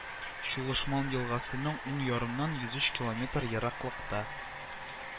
Чулышман елгасының уң ярыннан йөз өч километр ераклыкта